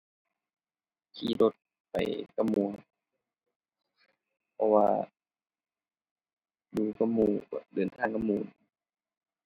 ขี่รถไปกับหมู่ครับ เพราะว่าอยู่กับหมู่ก็เดินทางกับหมู่